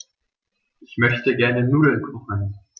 Ich möchte gerne Nudeln kochen.